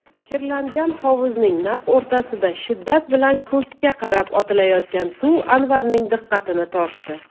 kirlangan hovuzning naq o'rtasida shiddat bilan ko'kka qarab otilayotgan suv anvarning diqqatini tortdi